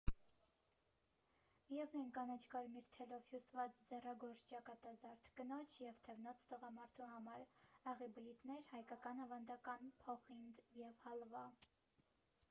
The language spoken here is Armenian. Միևնույն կանաչ֊կարմիր թելով հյուսված ձեռագործ ճակատազարդ՝ կնոջ և թևնոց՝ տղամարդու համար, աղի բլիթներ, հայկական ավանդական փոխինդ և հալվա։